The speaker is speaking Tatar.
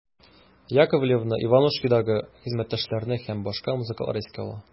Яковлевны «Иванушки»дагы хезмәттәшләре һәм башка музыкантлар искә ала.